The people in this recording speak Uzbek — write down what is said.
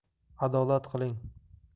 adolat qiling